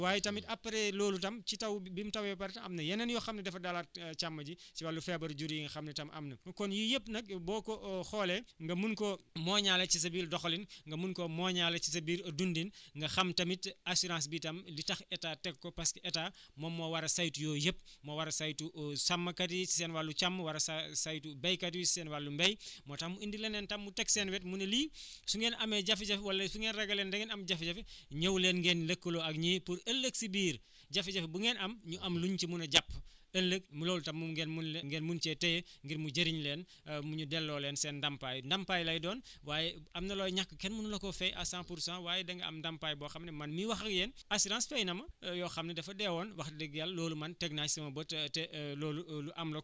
waaye tamit après loolu tam ci taw bi bi mu tawee ba pare am na yeneen yoo xam ne dafa dalaat càmm ji si wàllu feebar jur yi nga xam ne tam am na kon yii yëpp nag yow boo ko xoolee nga mun koo mooñaale sa biir doxalin nga mun koo mooñaale si sa biir dundin nga xam tamit assurance bi tam li tax état bi teg ko parce que état moom moo war a saytu yooyu yëpp moo war a saytu sàmmkat yi seen wàllu càmm war a sa saytu béykat yi si seen wàllum mbéy moo tax mu indi leneen tam mu teg seen wet mu ni lii su ngeen amee jafe-jafe wala su ngeen ragalee ne da ngeen am jafe-jafe ñëw leen ngeen lëkkaloo ak ñii pour ëllëg si biir jafe-jafe bu ngeen am ñu am luñ ci mun a jàpp ëllëg mu loolu tam ngeen mun leen ngeen mun cee téye ngir mu jëriñ leen ñu delloo leen seen ndàmpaay ndàmpaay lay doon waaye am na looy ñàkk kenn mënu la ko fay à 100 pour 100 waaye da nga am ndàmpaay boo xam ni man mii wax ak yéen assurance fay na ma yoo xam ne dafa dee woon wax dëgg yàlla loolu man teg naa si sama bët te loolu lu am la